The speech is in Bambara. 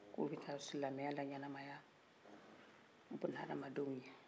ko bɛ ta silamɛya la yanama ya buni hadamadew ye